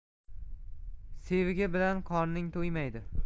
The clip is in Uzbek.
sevgi bilan qorning to'ymaydi